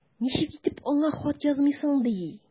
Ничек итеп аңа хат язмыйсың ди!